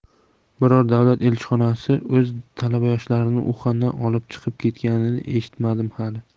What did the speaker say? biror davlat elchixonasi o'z talaba yoshlarini uxandan olib chiqib ketganini eshitmadim hali